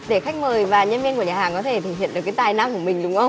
để khách mời và nhân viên của nhà hàng có thể thể hiện được cái tài năng của mình đúng không